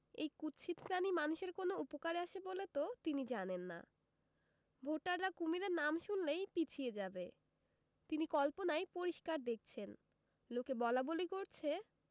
এই কুৎসিত প্রাণী মানুষের কোন উপকারে আসে বলে তো তিনি জানেন না ভোটাররা কুমীরের নাম শুনলেই পিছিয়ে যাবে তিনি কল্পনায় পরিষ্কার দেখছেন লোকে বলাবলি করছে